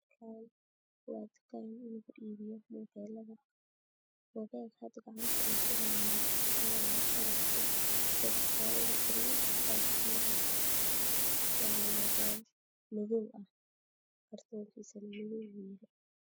Halkaan tukaan mobile waa kalarkisa yacni mobile madow yahay kartoonkina